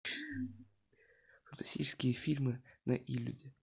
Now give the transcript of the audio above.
фантастические фильмы на иллюде